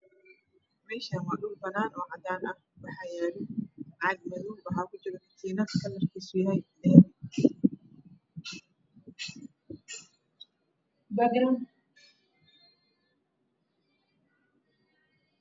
Meeshaan waa dhul banaan ah oo cadaan ah. Waxaa yaalo caag madow waxaa kujiro katiinad kalarkeedu uu yahay dahabi.